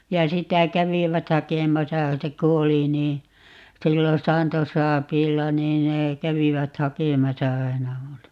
ja sitä kävivät hakemassa se kun oli niin silloin saantosaapiilla niin ne kävivät hakemassa aina minulta